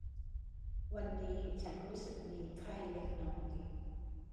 วันนี้ฉันรู้สึกมีไข้เล็กน้อย